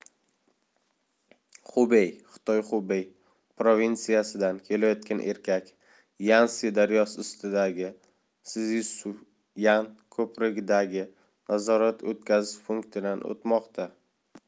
xubey xitoyxubey provinsiyasidan kelayotgan erkak yanszi daryosi ustidagi szyuszyan ko'prigidagi nazorat o'tkazish punktidan o'tmoqda